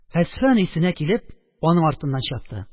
Әсфан, исенә килеп, аның артыннан чапты